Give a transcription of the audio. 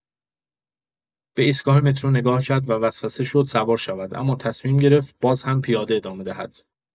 به ایستگاه مترو نگاه کرد و وسوسه شد سوار شود، اما تصمیم گرفت باز هم پیاده ادامه دهد.